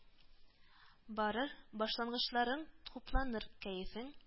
Барыр, башлангычларың хупланыр, кәефең